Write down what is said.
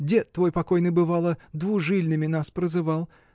дед твой покойный, бывало, двужильными нас прозывал